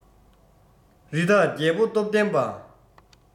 རི དྭགས རྒྱལ པོ སྟོབས ལྡན པ